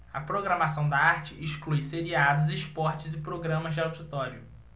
a programação da arte exclui seriados esportes e programas de auditório